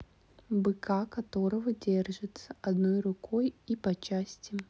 быка которого держится одной рукой и по части